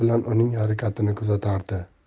bilan uning harakatini kuzatardi